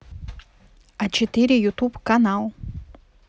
а четыре ютуб канал